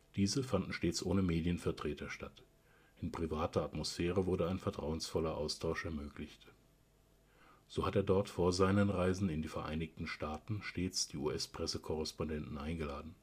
Diese fanden stets ohne Medienvertreter statt; in privater Atmosphäre wurde ein vertrauensvoller Austausch ermöglicht. So hat er dort vor seinen Reisen in die Vereinigten Staaten stets die US-Pressekorrespondenten eingeladen